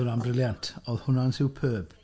Hwnna'n brilliant. Oedd hwnna'n superb.